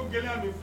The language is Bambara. Ko gɛlɛya don